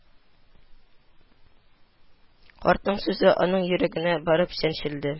Картның сүзе аның йөрәгенә барып чәнчелде